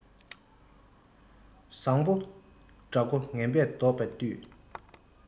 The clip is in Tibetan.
བཟང པོ དགྲ མགོ ངན པས བཟློག པས བསྟུན